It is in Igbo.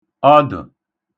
ọḋə̣̀